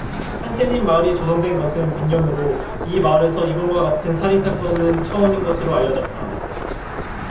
한센인 마을이 조성된 것은 백 년으로 이 마을에서 이번과 같은 살인 사건은 처음인 것으로 알려졌다